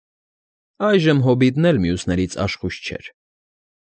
Այժմ հոբիտն էլ մյուսներից աշխույժ չէր։